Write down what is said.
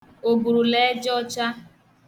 òbùrùlèejọcha